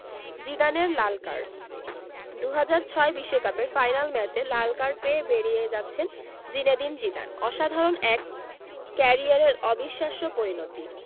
জিদানের লাল কার্ড ২০০৬ বিশ্বকাপের ফাইনাল ম্যাচে লাল কার্ড পেয়ে বেরিয়ে যাচ্ছেন জিনেদিন জিদান অসাধারণ এক ক্যারিয়ারের অবিশ্বাস্য পরিণতি